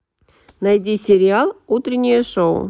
найди сериал утреннее шоу